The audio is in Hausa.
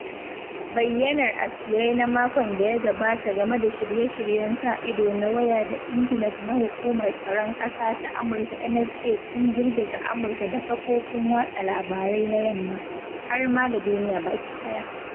Bayyanar asirai na makon da ya gabata game da shirye-shiryen sa ido na waya da intanet na Hukumar Tsaron Ƙasa ta Amurka (NSA) sun girgiza Amurka da kafofin watsa labarai na yamma, har ma da duniya baki ɗaya.